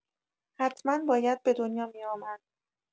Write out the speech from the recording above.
حتما باید به دنیا می‌آمد